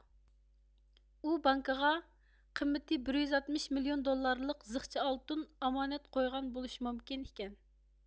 ئۇ بانكىغا قىممىتى بىر يۈز ئاتمىش مىليون دوللارلىق زىخچە ئالتۇن ئامانەت قويغان بولۇشى مۇمكىن ئىكەن